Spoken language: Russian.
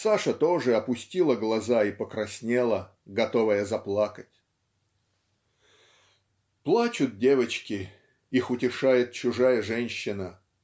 Саша тоже опустила глаза и покраснела, готовая заплакать". Плачут девочки. Их утешает чужая женщина